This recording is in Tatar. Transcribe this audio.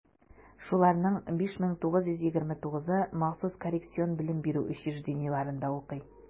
Шуларның 5929-ы махсус коррекцион белем бирү учреждениеләрендә укый.